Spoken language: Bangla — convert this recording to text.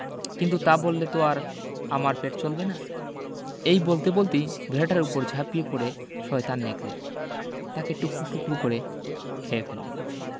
কিন্তু তা বললে তো আর আমার পেট চলবে না এই বলতে বলতেই ভেড়াটার উপর ঝাঁপিয়ে পড়ে শয়তান নেকড়ে তাকে টুকরু টুকরু করে খেয়ে ফেলল